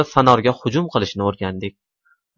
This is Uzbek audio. fanorga hujum qilishni o'rgandik